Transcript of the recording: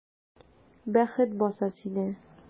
Бәхет баса сине!